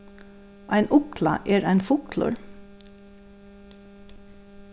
ein ugla er ein fuglur